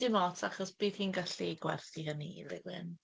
Dim ots, achos bydd hi'n gallu gwerthu hynny i rywun.